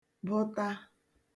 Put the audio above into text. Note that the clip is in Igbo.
-bụta